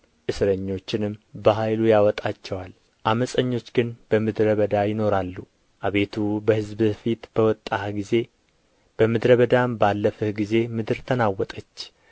እስረኞችንም በኃይሉ ያወጣቸዋል ዓመፀኞች ግን በምድረ በዳ ይኖራሉ አቤቱ በሕዝብም ፊት በወጣህ ጊዜ በምድረ በዳም ባለፍህ ጊዜ ምድር ተናወጠች